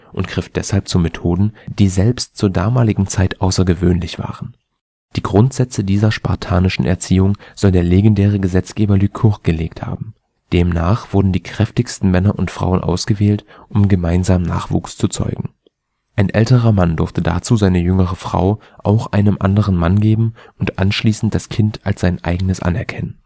und griff deshalb zu Methoden, die selbst zur damaligen Zeit außergewöhnlich waren. Die Grundsätze dieser spartanischen Erziehung soll der legendäre Gesetzgeber Lykurg gelegt haben. Demnach wurden die kräftigsten Männer und Frauen ausgewählt, um gemeinsam Nachwuchs zu zeugen. Ein älterer Mann durfte dazu seine jüngere Frau auch einem anderen Mann geben und anschließend das Kind als sein eigenes anerkennen